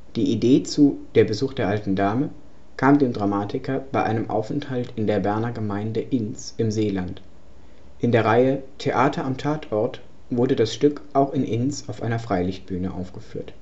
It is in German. Idee zu Der Besuch der alten Dame kam dem Dramatiker bei einem Aufenthalt in der Berner Gemeinde Ins im Seeland. In der Reihe „ Theater am Tatort “wurde das Stück auch in Ins auf einer Freilichtbühne aufgeführt